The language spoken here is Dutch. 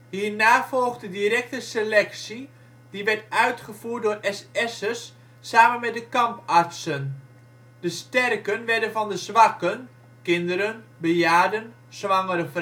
Hierna volgde direct een selectie, die werd uitgevoerd door SS'ers samen met de kampartsen. De " sterken ", werden van de " zwakken " (kinderen, bejaarden, zwangere